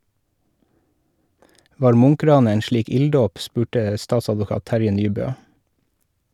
- Var Munch-ranet en slik ilddåp, spurte statsadvokat Terje Nybøe.